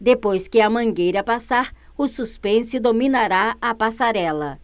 depois que a mangueira passar o suspense dominará a passarela